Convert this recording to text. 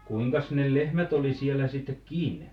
kuinkas ne lehmät oli siellä sitten kiinni